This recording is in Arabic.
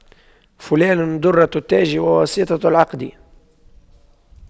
فلان دُرَّةُ التاج وواسطة العقد